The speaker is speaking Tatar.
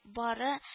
Бары